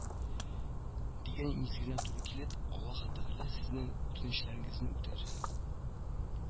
Дигән мизгеленә туры килеп, аллаһы тәгалә сезнең үтенечләрегезне үтәр